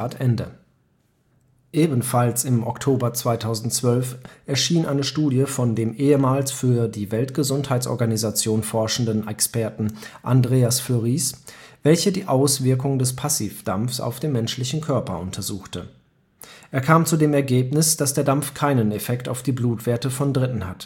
befinden. “Ebenfalls im Oktober 2012 erschien eine Studie von dem ehemals für die Weltgesundheitsorganisation forschenden Experten Andreas Flouris, welche die Auswirkungen des Passivdampfs auf den menschlichen Körper untersuchte. Er kam zu dem Ergebnis, dass der Dampf keinen Effekt auf die Blutwerte von Dritten